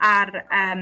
ymm